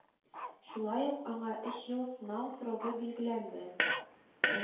Шулай ук аңа өч ел сынау срогы билгеләнде